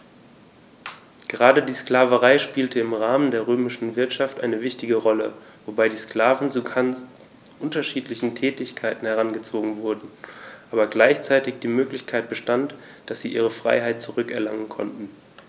Gerade die Sklaverei spielte im Rahmen der römischen Wirtschaft eine wichtige Rolle, wobei die Sklaven zu ganz unterschiedlichen Tätigkeiten herangezogen wurden, aber gleichzeitig die Möglichkeit bestand, dass sie ihre Freiheit zurück erlangen konnten.